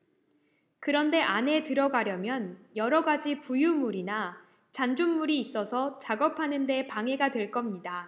그런데 안에 들어가려면 여러 가지 부유물이나 잔존물이 있어서 작업하는 데 방해가 될 겁니다